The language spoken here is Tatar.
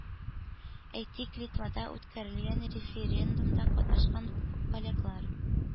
Әйтик, Литвада үткәрелгән референдумда катнашкан поляклар,